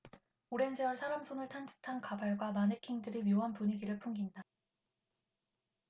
오랜 세월 사람 손을 탄 듯한 가발과 마네킹들이 묘한 분위기를 풍긴다